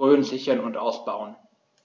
Rhön sichern und ausbauen.